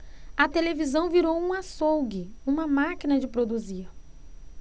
a televisão virou um açougue uma máquina de produzir